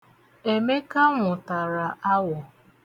Emeka nwụtara awọ.